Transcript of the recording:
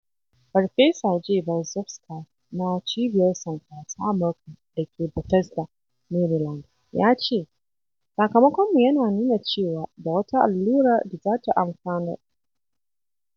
Farfesa Jay Berzofsky, na Cibiyar Sankara ta Amurka da ke Bethesda, Maryland, ya ce: “Sakamakonmu yana nuna cewa da wata allura da za ta amfanar."